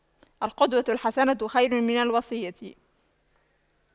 القدوة الحسنة خير من الوصية